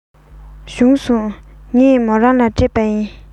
བྱུང སོང ངས མོ རང ལ སྤྲད པ ཡིན